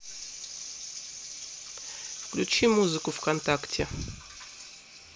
включи музыку в контакте